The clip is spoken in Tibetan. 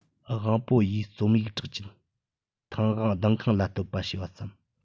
ཝང པོ ཡིས རྩོམ ཡིག གྲགས ཅན ཐེང ཝང ལྡིང ཁང ལ བསྟོད པ ཞེས པ བརྩམས